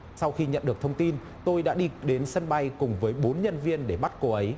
sau khi nhận được thông tin tôi đã định đến sân bay cùng với bốn nhân viên để bắt cô ấy